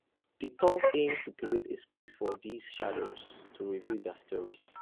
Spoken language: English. The tour aims to create a space for these shadows to reveal their stories.